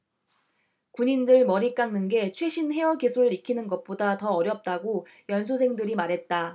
군인들 머리 깎는 게 최신 헤어 기술 익히는 것보다 더 어렵다고 연수생들이 말했다